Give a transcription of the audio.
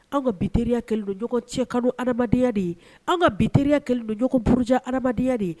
Anw ka bi teriya kɛlen do ɲɔgɔn cɛkanu adamadenya de ye anw ka bi teriya kɛlen do ɲɔgɔn buruja adamadenya de ye